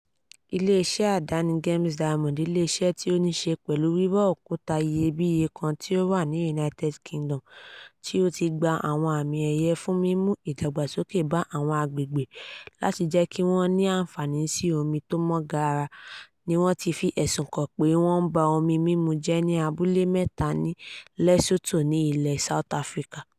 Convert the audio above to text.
Ilé iṣẹ́ àdáni Gems Diamond, ilé-iṣẹ́ tí ó ní ṣe pẹ̀lú wíwa òkúta iyebíye kan tí ó wà ní United Kingdom tí ó ti gba àwọn àmì ẹ̀yẹ fún mímu ìdàgbàsókè bá àwọn àgbègbè láti jẹ́ kí wọ́n ní àǹfààní sí omi tó mọ́ Gara, ní wọ́n ti fi ẹ̀sùn kan pé wọ́n ba omi mímu jẹ́ ní abúlé mẹ́ta ní Lesotho, ní ilẹ̀ South Africa.